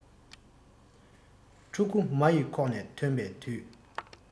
ཕྲུ གུ མ ཡི ཁོག ནས ཐོན པའི དུས